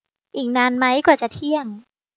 อีกนานไหมกว่าจะเที่ยง